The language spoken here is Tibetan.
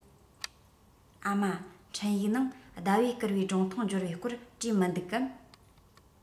ཨ མ འཕྲིན ཡིག ནང ཟླ བས བསྐུར བའི སྒྲུང ཐུང འབྱོར བའི སྐོར བྲིས མི འདུག གམ